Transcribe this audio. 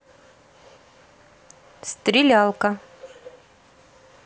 стрелялка